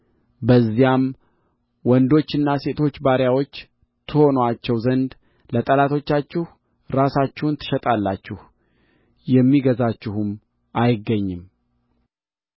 በዚያም ወንዶችና ሴቶች ባሪያዎች ትሆኑአቸው ዘንድ ለጠላቶቻችሁ ራሳችሁን ትሸጣላችሁ የሚገዛችሁም አይገኝም